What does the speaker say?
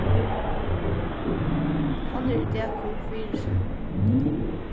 hann er í dag komin fyri seg